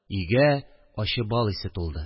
Өйгә ачы бал исе тулды